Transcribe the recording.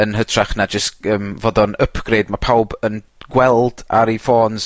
yn hytrach na jys yym, fod o'n upgrade ma' pawb yn gweld ar eu ffôns